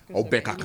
Aw bɛn kan